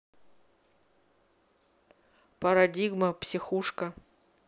парадигма психушка